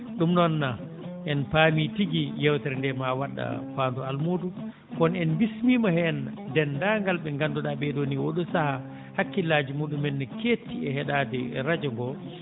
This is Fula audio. ɗum noon en paami tigi yeewtere ndee maa waɗ faandu almuudo kono en bismiima heen denndaangal ɓe ngannduɗaa ɓee ɗoo nii oo ɗoo sahaa hakkillaaji muɗumen no keetti e heɗaade radio ngo